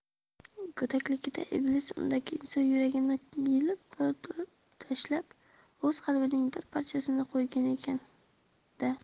go'dakligida iblis undagi inson yuragini yulib tashlab o'z qalbining bir parchasini qo'ygan ekan da